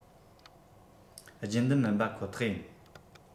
རྒྱུན ལྡན མིན པ ཁོ ཐག ཡིན